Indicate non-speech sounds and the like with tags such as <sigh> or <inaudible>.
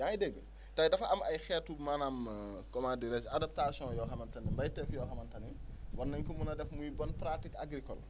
yaa ngi dégg tey dafa am ay xeetu maanaam <hesitation> comment dirais je adaptation yoo xamante ne <noise> mbéyteef yoo xamante ne war nañ ko mën a def muy bonne pratique agricole